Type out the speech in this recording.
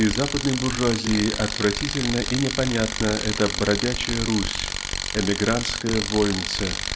и западной буржуазии отвратительна и непонятна эта бродячая Русь эмигрантская вольница